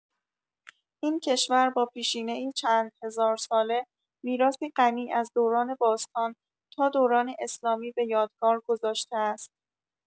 این کشور با پیشینه‌ای چند هزار ساله، میراثی غنی از دوران باستان تا دوران اسلامی به یادگار گذاشته است.